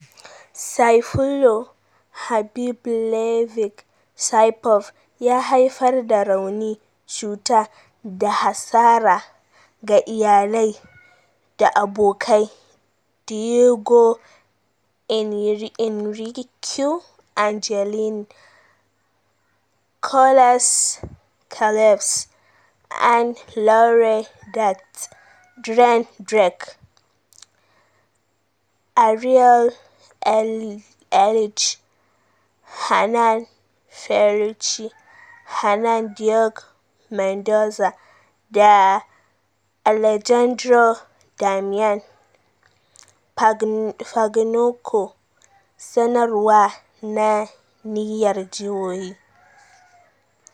"Sayfullo Habibullaevic Saipov ya haifar da rauni, cuta, da hasara ga iyalai da abokai Diego Enrique Angelini, Nicholas Cleves, Ann-Laure Decadt, Darren Drake, Ariel Erlij, Hernan Ferruchi, Hernan Diego Mendoza, da Alejandro Damian Pagnucco," sanarwa na niyyar jihohi.